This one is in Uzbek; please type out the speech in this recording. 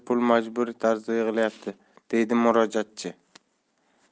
pul majburiy tarzda yig'ilyapti deydi murojaatchi